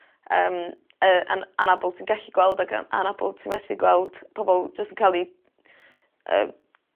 yym yy an- anabl. Ti'n gallu gweld ag yy anabl ti methu gweld pobol jyst yn ca'l 'u yy